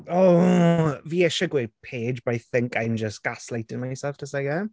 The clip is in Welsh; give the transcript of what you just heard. O fi isie gweud Paige, but I think I'm just gaslighting myself to say it.